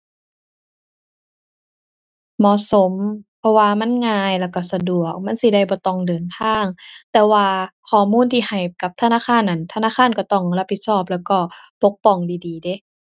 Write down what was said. เหมาะสมเพราะว่ามันง่ายแล้วก็สะดวก มันสิได้บ่ต้องเดินทาง แต่ว่าข้อมูลที่ให้กับธนาคารน่ะ ธนาคารก็ต้องรับผิดก็ แล้วก็ปกป้องดีดีเดะ